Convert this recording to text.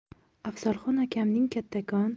afzalxon akamning kattakon